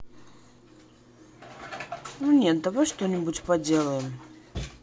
ну нет давай что нибудь поделаем